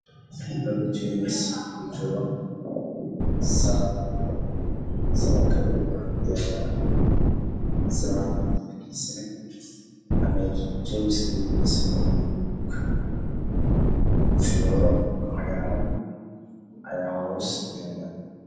Bonbalo ugu jiro surwaal madow ah